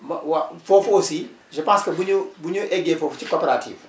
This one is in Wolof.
ma waa foofu aussi je pense que bu ñu bu ñu eggee foofu ci coopérative